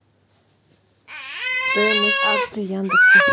стоимость акций яндекса